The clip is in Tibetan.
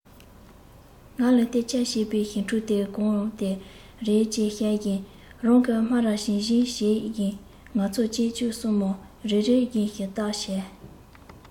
ང ལ སྟེར ཆད བྱེད པའི ཞི ཕྲུག དེ གང དེ རེད ཅེས བཤད བཞིན རང གི སྨ རར བྱིལ བྱིལ བྱེད ཞོར ང ཚོ གཅེན གཅུང གསུམ པོ རེ རེ བཞིན ཞིབ ལྟ བྱས